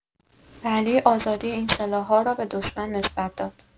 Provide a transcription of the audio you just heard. علی آزادی این سلاح‌ها را به دشمن نسبت داد.